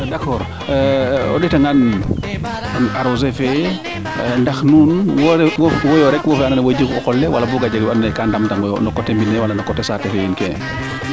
d' accord o ndeeta ngaan arroser fee ndax nuun wo yo rek wo fe ando naye wo jegu qol le wala boog a jega wa ando naye ga ndam tangoyo no coté mbine wala no coté saate fe neene